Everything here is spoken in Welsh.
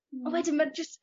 a wedyn ma' jyst